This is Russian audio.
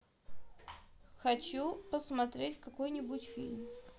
хочу посмотреть какой нибудь фильм